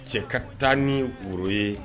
Cɛ ka taa ni woro ye